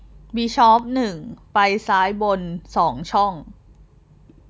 บิชอปหนึ่งไปซ้ายบนสองช่อง